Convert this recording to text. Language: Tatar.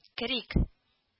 Керик